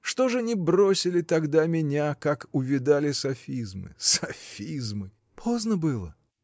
Что ж не бросили тогда меня, как увидали софизмы? Софизмы! — Поздно было.